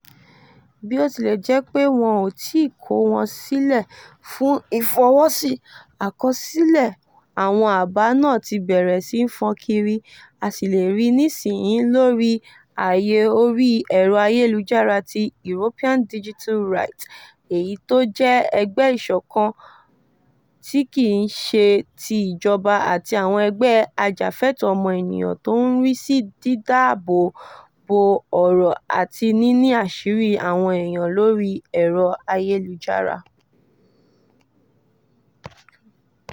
Bí ó tilẹ̀ jẹ́ pé wọn ò tíi kó wọn silẹ fún ìfọwọ́sí, àkọsílẹ̀ àwọn àbá náà ti bẹ̀rẹ̀ síi fọ́n kiri, a sì lè ri nisinyii lórí ààyè orí ẹ̀rọ ayélujára tí European Digital Rights, èyí tó jẹ́ ẹgbẹ́ ìsọ̀kan tí kìí ṣe ti ìjọba àti àwọn ẹgbẹ́ ajàfẹ́tọ̀ọ́ ọmọniyàn tó ń rí sí dídá ààbò bo ọ̀rọ̀ àti níní àṣírí àwọn èèyàn lórí ẹ̀rọ ayélujára.